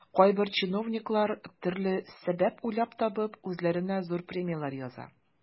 Кайбер чиновниклар, төрле сәбәп уйлап табып, үзләренә зур премияләр яза.